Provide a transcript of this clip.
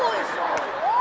ôi